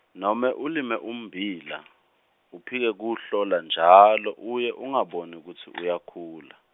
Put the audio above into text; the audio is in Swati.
nome ulime ummbila, uphike kuwuhlola njalo, uye ungaboni kutsi uyakhula.